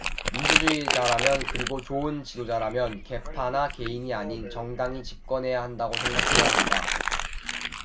민주주의자라면 그리고 좋은 지도자라면 계파나 개인이 아닌 정당이 집권해야 한다고 생각해야 한다